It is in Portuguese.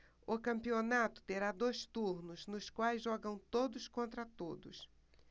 o campeonato terá dois turnos nos quais jogam todos contra todos